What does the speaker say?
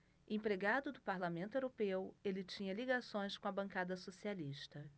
empregado do parlamento europeu ele tinha ligações com a bancada socialista